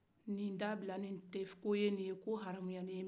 nin dabila nin tɛ ko ye nin ye ko kɔn ne ye